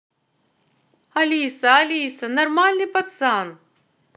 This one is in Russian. алиса алиса нормальный пацан